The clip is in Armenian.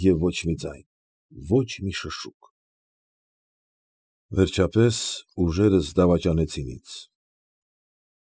Եվ ոչ մի ձայն, ոչ մի շշուկ։ Վերջապես, ուժերս. դավաճանեցին ինձ։